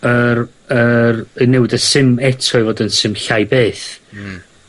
yr yr y newid y sim eto i fod yn sim llai byth.... Hmm.